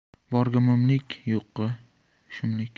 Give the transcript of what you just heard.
borga mumlik yo'qqa shumlik